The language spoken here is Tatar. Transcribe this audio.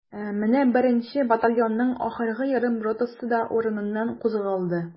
Менә беренче батальонның ахыргы ярым ротасы да урыныннан кузгалды.